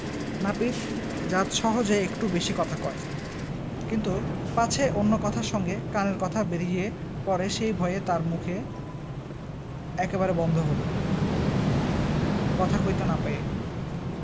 নাপিত জাত সহজে একটু বেশী কথা কয় কিন্তু পাছে অন্য কথার সঙ্গে কানের কথা বেরিয়ে পড়ে সেই ভয়ে তার মুখে একেবারে বন্ধ হল কথা কইতে না পেয়ে